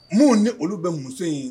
Maaw ni olu bɛ muso in ye